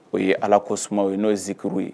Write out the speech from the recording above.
O ye Ala kɔsumaw ye n'o ye zikiruw ye